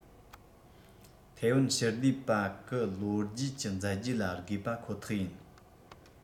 ཐའེ ཝན ཕྱིར བསྡུས པ གི ལོ རྒྱུས ཀྱི མཛད རྗེས ལ དགོས པ ཁོ ཐག ཡིན